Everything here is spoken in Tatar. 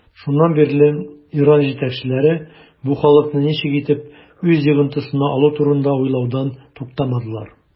Шуннан бирле Иран җитәкчеләре бу халыкны ничек итеп үз йогынтысына алу турында уйлаудан туктамадылар.